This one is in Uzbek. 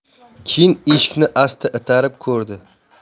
keyin eshikni asta itarib ko'rdi